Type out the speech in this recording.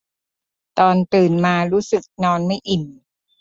ตอนตื่นมารู้สึกนอนไม่อิ่ม